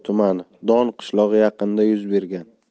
tumani don qishlog'i yaqinida yuz bergan